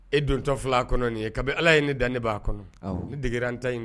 E dontɔ fila kɔnɔ nin ye kabini ala ye ne dan ne b'a kɔnɔ ne degera an ta ɲin